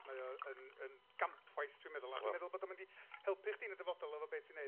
Mae o yn, yn gampwaith, dwi'n meddwl... Diolch yn fawr... a dwi'n meddwl fod o'n mynd i helpu chdi yn y dyfodol efo be ti'n wneud,